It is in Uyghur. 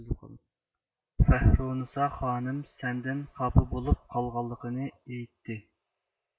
فەھرونىسا خانىم سەندىن خاپا بولۇپ قالغانلىقىنى ئېيتتى